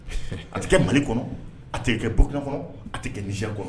A tɛ kɛ Mali kɔnɔ a tɛ kɛ Burkina kɔnɔ a tɛ kɛ Niger kɔnɔ.